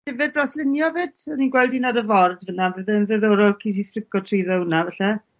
...llyfyr braslunio 'fyd? O'n i'n gweld un ar y ford fyn 'na fydde'n ddiddorol cei di strico trwyddo wnna falle?